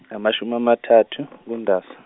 ngamashumi amathathu kuNdasa.